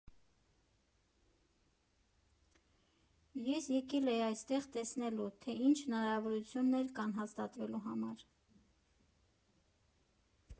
Ես եկել էի այստեղ տեսնելու, թե ինչ հնարավորություններ կան հաստատվելու համար։